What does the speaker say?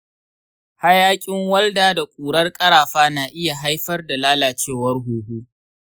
hayakin walda da ƙurar ƙarafa na iya haifar da lalacewar huhu.